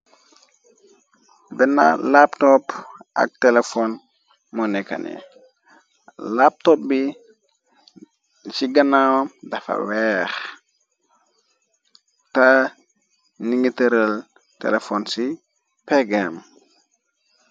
Benna laptopp ak telefon moo nekkane laptop bi ci ganawam dafa weex ta ningi tërël telefon ci pegem.